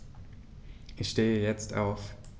Ich stehe jetzt auf.